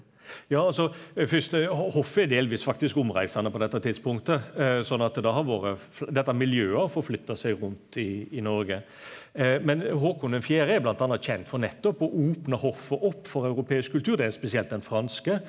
ja altså for det fyrste hoffet er delvis faktisk omreisande på dette tidspunktet sånn at det har vore dette miljøet har flytta seg rundt i Noreg men Håkon den fjerde er bl.a. kjent for nettopp å opna hoffet opp for europeisk kultur, det er spesielt den franske.